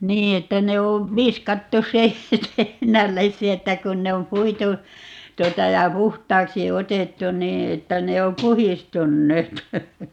niin että ne on viskattu se - että kun ne on puitu tuota ja puhtaaksi otettu niin että ne on puhdistuneet